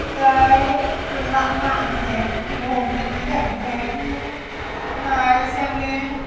đấy quyên lãng mạn như thế quyên hồn nhiên nhí nhảnh như thế chứ này xem đi